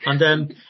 Ond yym